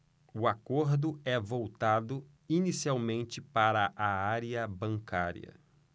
o acordo é voltado inicialmente para a área bancária